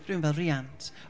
rhywun fel rhiant.